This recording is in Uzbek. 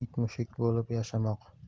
it mushuk bo'lib yashamoq